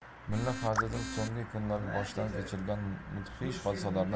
mulla fazliddin so'nggi kunlarda boshdan kechirgan mudhish